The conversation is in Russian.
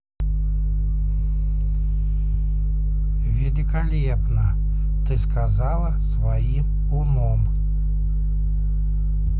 великолепно ты сказала своим умом